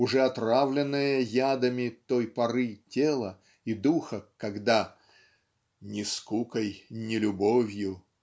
уже отравленное ядами той поры тела и духа когда . ни скукой ни любовью